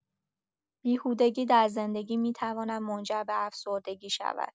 بیهودگی در زندگی می‌تواند منجر به افسردگی شود.